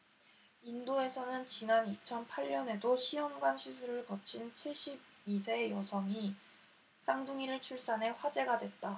인도에서는 지난 이천 팔 년에도 시험관시술을 거친 칠십 이 세 여성이 쌍둥이를 출산해 화제가 됐다